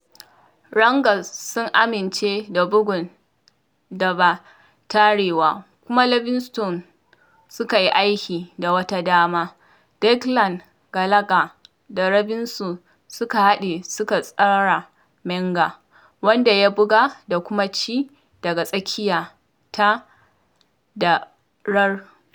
Rangers sun amince da bugun da ba tarewa kuma Livingston suka yi aiki da wata dama, Declan Gallagher da Robinson suka haɗe suka tsara Menga, wanda ya buga da kuma ci daga tsakiya ta da'rar.